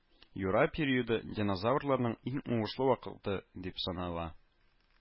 Юра периоды динозаврларның иң уңышлы вакыты дип санала